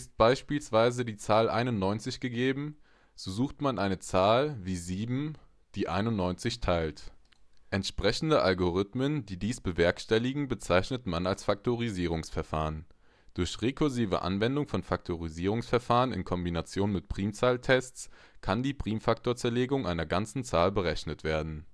beispielsweise die Zahl 91 gegeben, so sucht man eine Zahl wie 7, die 91 teilt. Entsprechende Algorithmen, die dies bewerkstelligen, bezeichnet man als Faktorisierungsverfahren. Durch rekursive Anwendung von Faktorisierungsverfahren in Kombination mit Primzahltests kann die Primfaktorzerlegung einer ganzen Zahl berechnet werden